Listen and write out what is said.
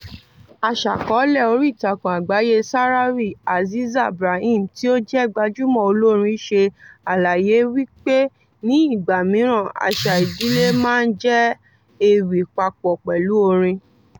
Aṣàkọọ́lẹ̀ oríìtakùn àgbáyé Sahrawi, Aziza Brahim, tí ó jẹ́ gbajúmọ̀ olórin, ṣe àlàyé wí pé ní ìgbà mìíràn àṣà ìdílé máa jẹ́ ewì papọ̀ pẹ̀lú orin.